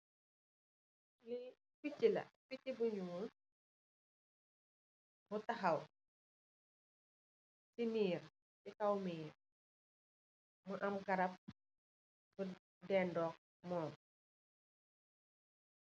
Li picci la, picci bu ñuul bu taxaw ci kaw ci miir mu am garap bu dendó ak mum.